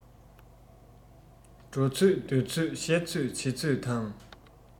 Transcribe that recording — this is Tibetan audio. འགྲོ ཚོད སྡོད ཚོད བཤད ཚོད བྱེད ཚོད དང